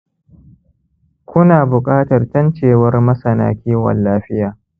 ku na buƙatar tantacewar masana kiwon-lafiya